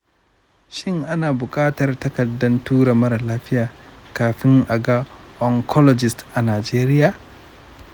shin ana buƙatar takardar tura mara lafiya kafin a ga oncologist a najeriya?